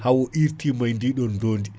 hawo irtima e ndiɗon ndondi